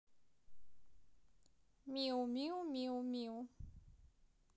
миу миу миу миу